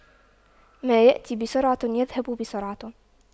ما يأتي بسرعة يذهب بسرعة